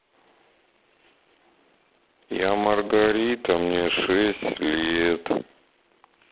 я маргарита мне шесть лет